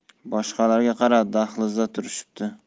boshqalarga qara dahlizda turishibdi